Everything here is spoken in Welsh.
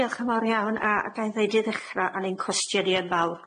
Diolch yn fawr iawn a a ga'i ddeud i ddechra o'n i yn cwestiynu yn fawr,